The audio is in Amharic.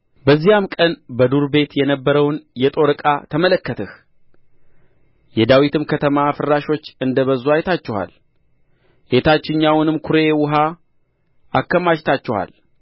በዚያም ቀን በዱር ቤት የነበረውን የጦር ዕቃ ተመለከትህ የዳዊትም ከተማ ፍራሾች እንደ በዙ አይታችኋል የታችኛውንም ኵሬ ውኃ አከማችታችኋል